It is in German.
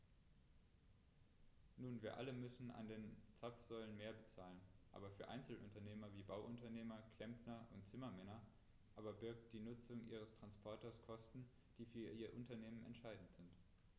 Nun wir alle müssen an den Zapfsäulen mehr bezahlen, aber für Einzelunternehmer wie Bauunternehmer, Klempner und Zimmermänner aber birgt die Nutzung ihres Transporters Kosten, die für ihr Unternehmen entscheidend sind.